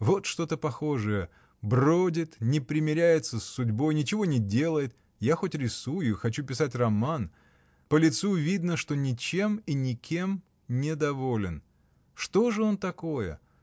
Вот что-то похожее: бродит, не примиряется с судьбой, ничего не делает (я хоть рисую и хочу писать роман), по лицу видно, что ничем и никем не доволен. Что же он такое?